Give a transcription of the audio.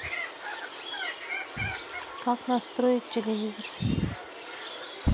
как настроить телевизор